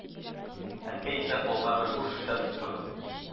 Әнкәй исә кулыма бер буш шешә тоттырды.